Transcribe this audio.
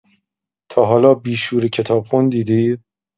تا حالا بیشعور کتابخون دیدی؟